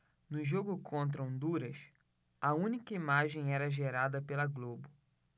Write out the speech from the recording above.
no jogo contra honduras a única imagem era gerada pela globo